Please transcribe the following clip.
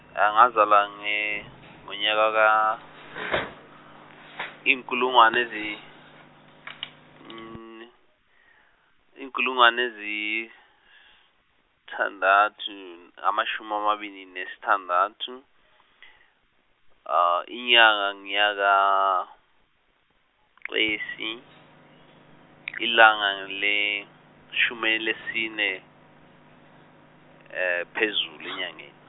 a ngazalwa nge ngokanyaka ka inkulungwane ezi , inkulungwane ezithandathu amashume amabili nesi thandathu, inyanga ngeyaka Cesi, ilanga ngelesishume lesine phezulu enyangeni.